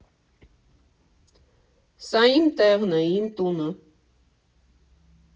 Սա իմ տեղն է, իմ տունը։